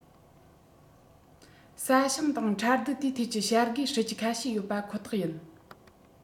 ས ཞིང དང ཁྲལ བསྡུ དེའི ཐད ཀྱི བྱ དགའི སྲིད ཇུས ཁ ཤས ཡོད པ ཁོ ཐག ཡིན